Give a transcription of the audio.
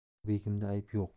bu begimda ayb yo'q